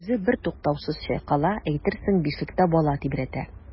Үзе бертуктаусыз чайкала, әйтерсең бишектә бала тибрәтә.